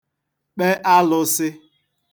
kpe alụ̄sị̄